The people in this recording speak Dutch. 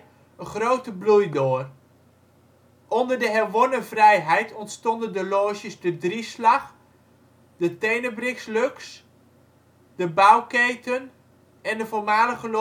een grote bloei door. Onder de herwonnen vrijheid ontstonden de loges " De Drieslag "," In Tenebrix Lux ", de " Bouwketen " en de voormalige